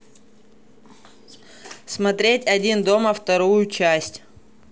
смотреть один дома вторую часть